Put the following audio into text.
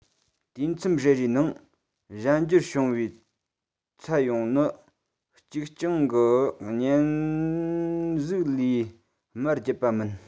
དུས མཚམས རེ རེའི ནང གཞན འགྱུར བྱུང བའི ཚད ཡོངས ནི གཅིག རྐྱང གི གཉེན གཟུགས ལས མར བརྒྱུད པ མིན